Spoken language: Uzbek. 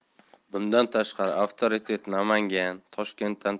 bundan tashqari avtoritet namangan toshkentdan